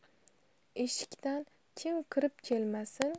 eshikdan kim kirib kelmasin